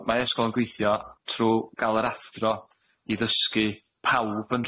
mae ysgol yn gweithio trw ga'l yr athro i ddysgu pawb yn